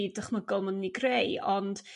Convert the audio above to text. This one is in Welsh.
byd dychmygol ma ' nhw'n 'u greu ond